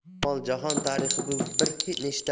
ehtimol jahon tarixi bu